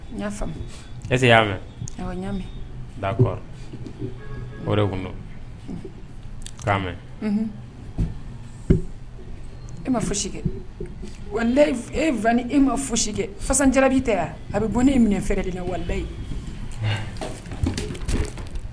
Y'a y'a mɛna mɛ kɔrɔ o k'a mɛn e ma foyi si e e ma foyisi kɛ fa jarabi tɛ a bɛ bɔ ne e minɛ fɛrɛɛrɛ de wali ye